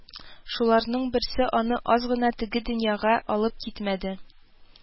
Шуларның берсе аны аз гына теге дөньяга алып китмәде